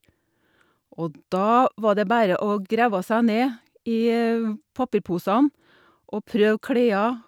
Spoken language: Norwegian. Og da var det bare å grave seg ned i papirposene og prøve klær.